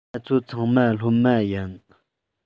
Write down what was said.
ང ཚོ ཚང མ སློབ མ ཡིན